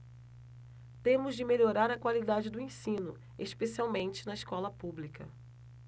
temos de melhorar a qualidade do ensino especialmente na escola pública